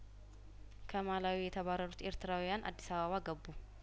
ከማላዊ የተባረሩት ኤርትራውያን አዲስ አበባ ገቡ